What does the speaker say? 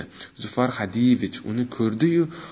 zufar xodiyevich uni ko'rdi yu